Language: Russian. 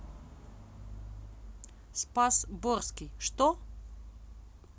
спас борский что